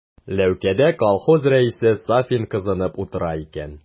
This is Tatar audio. Ләүкәдә колхоз рәисе Сафин кызынып утыра икән.